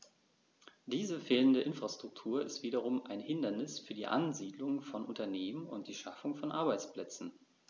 Diese fehlende Infrastruktur ist wiederum ein Hindernis für die Ansiedlung von Unternehmen und die Schaffung von Arbeitsplätzen.